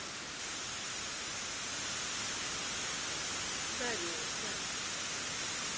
да милый да